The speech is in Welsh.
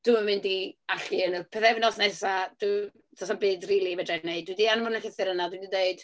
Dwi'm yn mynd i allu yn y pythefnos nesa, dw- does na'm byd rili fedra i wneud. Dwi di anfon llythyr yna, dwi 'di deud...